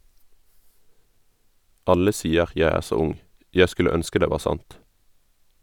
Alle sier jeg er så ung, jeg skulle ønske det var sant.